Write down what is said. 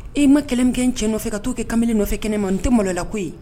E ma kɛlɛkɛ cɛ nɔfɛ ka'o kɛ kamalen nɔfɛ kɛnɛ ma n tɛ malola koyi yen